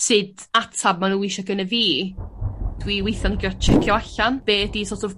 sud atab ma' nw isio gynnyf fi dwi witho'n go' tsiecio allan be' 'di so't of